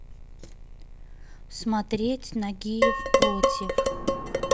смотреть нагиев против